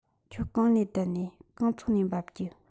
ཁྱོད གང ནས བསྡད ནིས གང ཚོད ནས འབབ རྒྱུ